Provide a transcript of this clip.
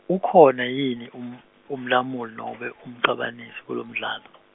ukhona yini um-, umlamuli nobe, umcabanisi kulomdlalo.